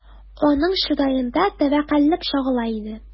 Аның чыраенда тәвәккәллек чагыла иде.